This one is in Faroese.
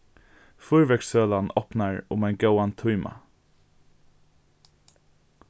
fýrverkssølan opnar um ein góðan tíma